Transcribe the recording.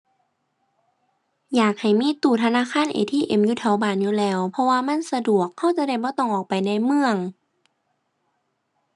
อยากให้มีตู้ธนาคาร ATM อยู่แถวบ้านอยู่แล้ว เพราะว่ามันสะดวก เราจะได้บ่ต้องออกไปในเมือง